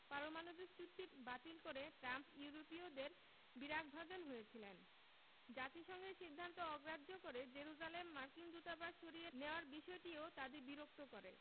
পারমাণবিক চুক্তি বাতিল করে ট্রাম্প ইউরোপীয়দের বিরাগভাজন হয়েছিলেন জাতিসংঘের সিদ্ধান্ত অগ্রাহ্য করে জেরুজালেমে মার্কিন দূতাবাস সরিয়ে নেওয়ার সিদ্ধান্তটিও তাদের বিরক্ত করে